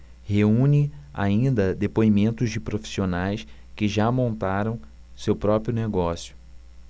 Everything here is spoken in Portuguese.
reúne ainda depoimentos de profissionais que já montaram seu próprio negócio